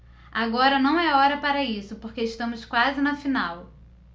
agora não é hora para isso porque estamos quase na final